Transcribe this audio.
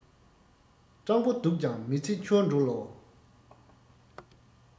སྤྲང པོ སྡུག ཀྱང མི ཚེ འཁྱོལ འགྲོ ལོ